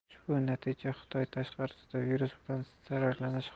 ushbu natija xitoy tashqarisida virus bilan zararlanish